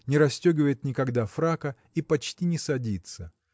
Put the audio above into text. не расстегивает никогда фрака и почти не садится.